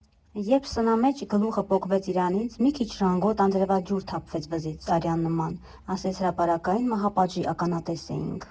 Երբ սնամեջ գլուխը պոկվեց իրանից, մի քիչ ժանգոտ անձրևաջուր թափվեց վզից՝ արյան նման, ասես հրապարակային մահապատժի ականատես էինք։